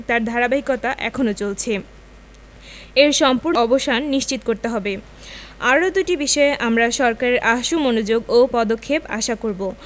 তার ধারাবাহিকতা এখনো চলছে এর সম্পূর্ণ অবসান নিশ্চিত করতে হবে আরও দুটি বিষয়ে আমরা সরকারের আশু মনোযোগ ও পদক্ষেপ আশা করব